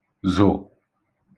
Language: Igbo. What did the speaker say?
zụ̀